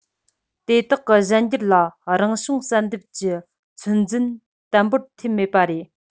དེ དག གི གཞན འགྱུར ལ རང བྱུང བསལ འདེམས ཀྱི ཚོད འཛིན དམ པོ ཐེབས མེད པ རེད